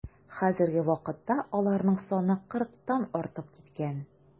Хәзерге вакытта аларның саны кырыктан артып киткән.